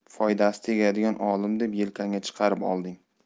foydasi tegadigan olim deb yelkangga chiqarib olding